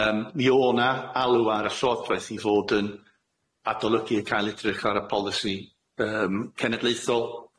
yym mi o' na alw ar y Llywodraeth i fod yn adolygu y cael edrych ar y polisi yym cenedlaethol,